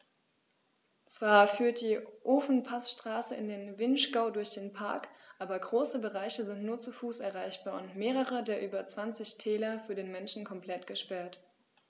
Zwar führt die Ofenpassstraße in den Vinschgau durch den Park, aber große Bereiche sind nur zu Fuß erreichbar und mehrere der über 20 Täler für den Menschen komplett gesperrt.